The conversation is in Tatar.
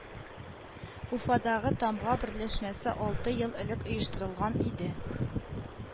Уфадагы Тамга берләшмәсе алты ел элек оештырылган иде